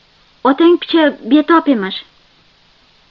otang picha betobemish